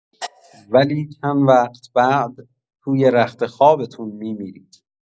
ولی چند وقت بعد توی رخت خوابتون می‌میرید.